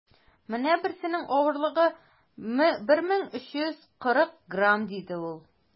- менә берсенең авырлыгы 1340 грамм, - диде ул.